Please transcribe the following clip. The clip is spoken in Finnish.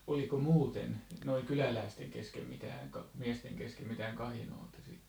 oliko muuten kyläläläisten kesken mitään miesten kesken mitään kahinoita sitten